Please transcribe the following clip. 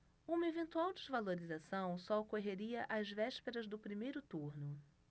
uma eventual desvalorização só ocorreria às vésperas do primeiro turno